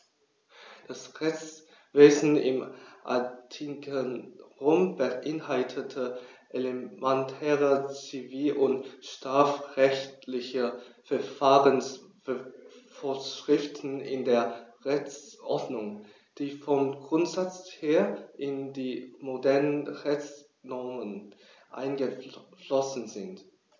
Das Rechtswesen im antiken Rom beinhaltete elementare zivil- und strafrechtliche Verfahrensvorschriften in der Rechtsordnung, die vom Grundsatz her in die modernen Rechtsnormen eingeflossen sind.